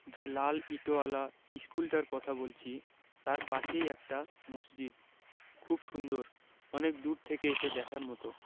যে লাল ইটোয়ালা ইশকুলটার কথা বলছি তাই পাশেই একটা মসজিদ খুব সুন্দর অনেক দূর থেকে এসে দেখার মতো